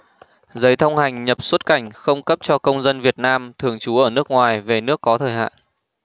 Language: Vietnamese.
giấy thông hành nhập xuất cảnh không cấp cho công dân việt nam thường trú ở nước ngoài về nước có thời hạn